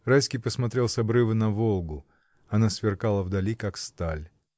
Райский посмотрел с обрыва на Волгу: она сверкала вдали, как сталь.